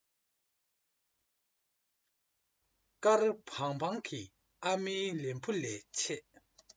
དཀར བང བང གི ཨ མའི ལན བུ ལས ཆད